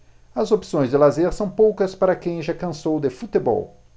as opções de lazer são poucas para quem já cansou de futebol